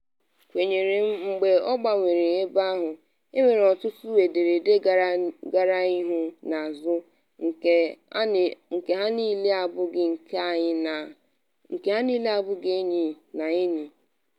Kwenyere m, mgbe ọ gbanwere ebe ahụ, enwere ọtụtụ ederede gara ihu na azụ nke na ha niile abụghị nke enyi na enyi.